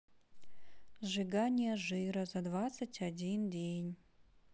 сжигание жира за двадцать один день